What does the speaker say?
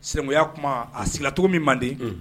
Sinankuya kuma a sirala cogo min manden